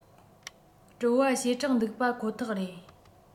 སྤྲོ བ ཞེ དྲག འདུག པ ཁོ ཐག རེད